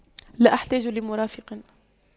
لا احتاج لمرافق